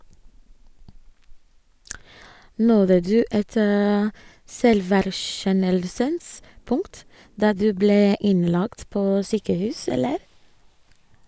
- Nådde du et selverkjennelsens punkt da du ble innlagt på sykehus, eller?